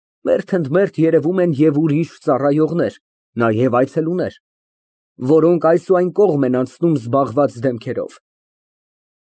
Մերթ ընդ մերթ երևում են և ուրիշ ծառայողներ, նաև այցելուներ, որոնք այս ու այն կողմ են անցնում զբաղված դեմքերով։